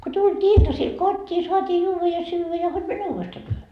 kun tultiin iltasilla kotiin saatiin juoda ja syödä ja hod mene uudestaan työhön